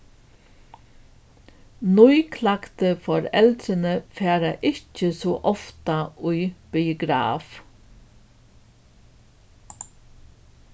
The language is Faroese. nýklaktu foreldrini fara ikki so ofta í biograf